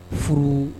Furu